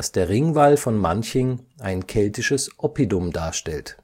der Ringwall von Manching ein keltisches Oppidum darstellt